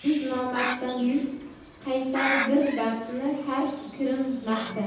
yuz nomarddan yuz qaytar bir mardni har kirn maqtar